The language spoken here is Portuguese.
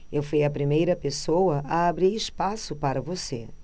eu fui a primeira pessoa a abrir espaço para você